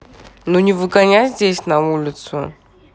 ну не выгнать здесь на улицу